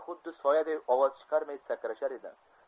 xuddi soyaday ovoz chiqarmay sakrashar edi